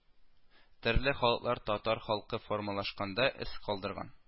Төрле халыклар татар халкы формалашканда эз калдырган